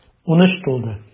Унөч тулды.